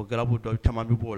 Programme dɔ caman bɛ bɔ o la